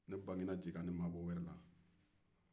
ne bangera jakanni maabɔwɛrɛ la